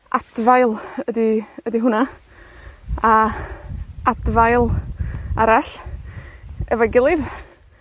Adfail ydi ydi hwnna a adfail arall efo'i gilydd.